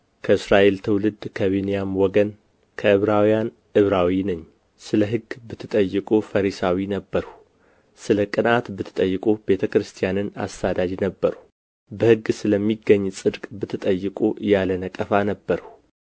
ከእስራኤል ትውልድ ከብንያም ወገን ከዕብራውያን ዕብራዊ ነኝ ስለ ሕግ ብትጠይቁ ፈሪሳዊ ነበርሁ ስለ ቅንዓት ብትጠይቁ ቤተ ክርስቲያንን አሳዳጅ ነበርሁ በሕግ ስለሚገኝ ጽድቅ ብትጠይቁ ያለ ነቀፋ ነበርሁ